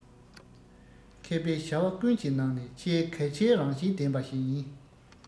མཁས པའི བྱ བ ཀུན གྱི ནང ནས ཆེས གལ ཆེའི རང བཞིན ལྡན པ ཞིག ཡིན